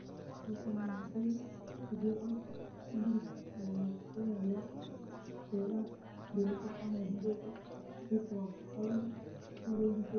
Waa guri dhismo ka socda ayaa laga dhisayaa guri kale ayaa ka dambeeya oo jiingad buluug leh